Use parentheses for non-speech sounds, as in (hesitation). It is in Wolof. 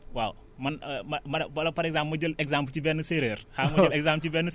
waaw man (hesitation) ma ma wala par exemple ma jël exemple ci benn séeréer (laughs) xaaral ma jël exemple si benn